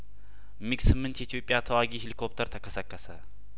ሚግ ስምንት የኢትዮጵያ ተዋጊ ሂሊኮፕተር ተከሰከሰ